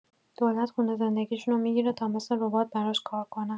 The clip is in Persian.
دولت خونه زندگیشونو می‌گیره تا مثل ربات براش کار کنن